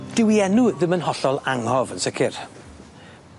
Dyw 'i enw ddim yn hollol angof yn sicir.